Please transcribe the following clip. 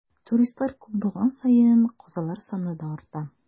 Туристлар күп булган саен, казалар саны да арта.